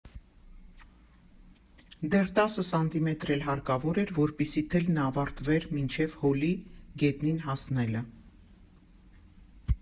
Դեռ տասը սանտիմետր էլ հարկավոր էր, որպեսզի թելն ավարտվեր մինչև հոլի՝ գետնին հասնելը։